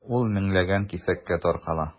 Ул меңләгән кисәккә таркала.